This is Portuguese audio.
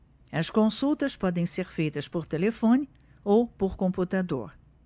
as consultas podem ser feitas por telefone ou por computador